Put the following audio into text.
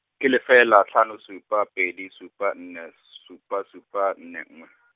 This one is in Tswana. ke lefela, tlhano supa pedi supa nne, supa supa nne nngwe.